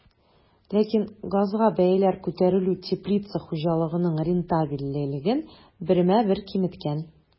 Ләкин газга бәяләр күтәрелү теплица хуҗалыгының рентабельлеген бермә-бер киметкән.